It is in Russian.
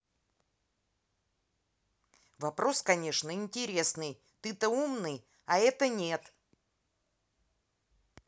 вопрос конечно интересный ты то умный а это нет